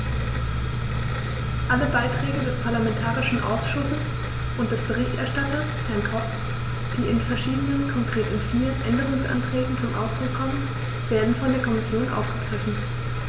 Alle Beiträge des parlamentarischen Ausschusses und des Berichterstatters, Herrn Koch, die in verschiedenen, konkret in vier, Änderungsanträgen zum Ausdruck kommen, werden von der Kommission aufgegriffen.